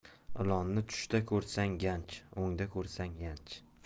ilonni tushda ko'rsang ganj o'ngda ko'rsang yanch